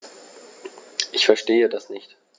Ich verstehe das nicht.